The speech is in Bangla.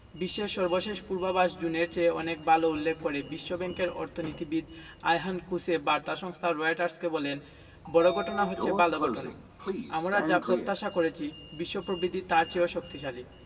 বিশ্বের সর্বশেষ পূর্বাভাস জুনের চেয়ে অনেক ভালো উল্লেখ করে বিশ্বব্যাংকের অর্থনীতিবিদ আয়হান কোসে বার্তা সংস্থা রয়টার্সকে বলেন বড় ঘটনা হচ্ছে ভালো ঘটনা আমরা যা প্রত্যাশা করেছি বিশ্ব প্রবৃদ্ধি তার চেয়েও শক্তিশালী